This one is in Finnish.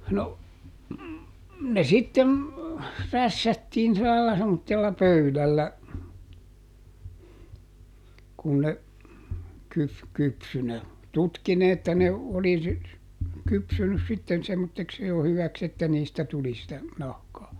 no ne sitten rässättiin sillä lailla semmoisella pöydällä kun ne - kypsyi ne tutki ne että ne oli - kypsynyt sitten semmoiseksi jo hyväksi että niistä tuli sitä nahkaa